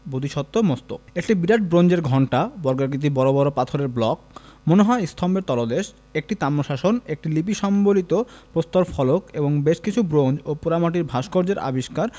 বোধিসত্ত্ব মস্তক একটি বিরাট ব্রোঞ্জের ঘণ্টা বর্গাকৃতি বড় বড় পাথরের ব্লক মনে হয় স্তম্ভের তলদেশ একটি তাম্রশাসন একটি লিপি সম্বলিত প্রস্তর ফলক এবং বেশ কিছু ব্রোঞ্জ ও পোড়ামাটির ভাস্কর্যের আবিষ্কার